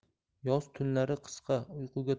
yoz tunlari qisqa uyquga